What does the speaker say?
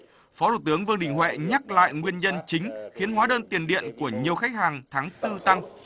phó thủ tướng vương đình huệ nhắc lại nguyên nhân chính khiến hóa đơn tiền điện của nhiều khách hàng tháng tư tăng